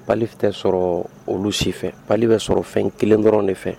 'ale fɛ tɛ sɔrɔ olu si fɛ'ale bɛ sɔrɔ fɛn kelen dɔrɔn de fɛ